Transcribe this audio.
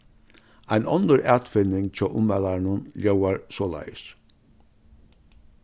ein onnur atfinning hjá ummælaranum ljóðar soleiðis